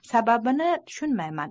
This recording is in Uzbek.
sababini tushunmayman